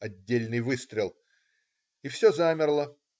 - отдельный выстрел, и все замерло.